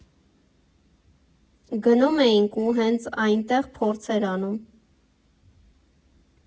Գնում էինք ու հենց այնտեղ փորձեր անում։